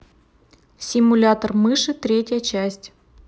симулятор мыши третья часть